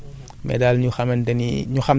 peut être ñenn ñi faru woon nañu